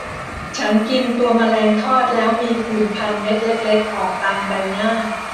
ฉันกินตัวแมลงทอดแล้วมีผื่นคันเม็ดเล็กเล็กออกตามใบหน้า